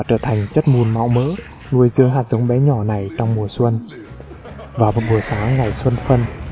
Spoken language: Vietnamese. và trở thành chất mùn màu mỡ nuôi dưỡng hạt giống bé nhỏ vào mùa xuân vào buổi sáng ngày xuân phân